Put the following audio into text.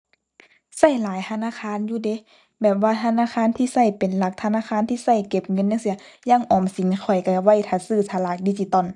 ใช้หลายธนาคารอยู่เดะ แบบว่าธนาคารที่ใช้เป็นหลัก ธนาคารที่ใช้เก็บเงินจั่งซี้ อย่างออมสินข้อยใช้เอาไว้ท่าซื้อสลากดิจิทัล